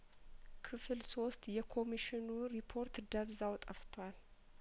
ክፍል ሶስት የኮሚሽኑ ሪፖርት ደብዛው ጠፍቷል